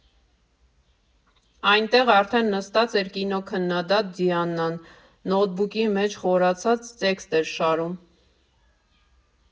Այնտեղ արդեն նստած էր կինոքննադատ Դիանան՝ նոթբուքի մեջ խորացած տեքստ էր շարում։